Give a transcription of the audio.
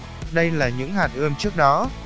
đây là những hạt ươm trước đó